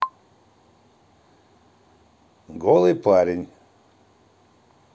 голый парень